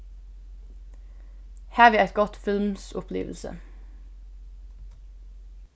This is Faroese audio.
havið eitt gott filmsupplivilsi